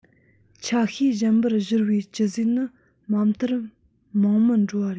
ཆ ཤས གཞན པར བཞུར པའི བཅུད རྫས ནི མ མཐར མང མི འགྲོ བ ཡིན